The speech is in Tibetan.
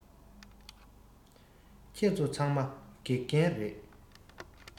ཁྱེད ཚོ ཚང མ དགེ རྒན རེད